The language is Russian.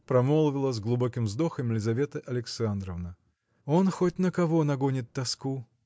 – промолвила с глубоким вздохом Лизавета Александровна – он хоть на кого нагонит тоску!